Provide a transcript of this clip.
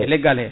e leggal he